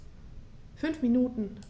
5 Minuten